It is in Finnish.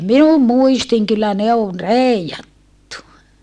minun muistini kyllä ne on reijattu